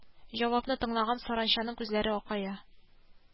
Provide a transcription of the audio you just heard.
Җавапны тыңлаган саранчаның күзләре акая